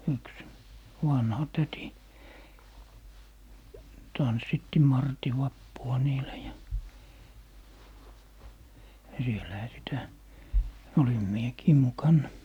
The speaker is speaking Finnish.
yksi vanha täti tanssitti martin vappua niillä ja ja siellähän sitä olin minäkin mukana